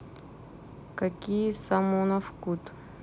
какие самонов cut